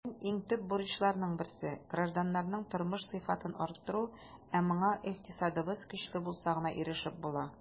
Бүген иң төп бурычларның берсе - гражданнарның тормыш сыйфатын арттыру, ә моңа икътисадыбыз көчле булса гына ирешеп була.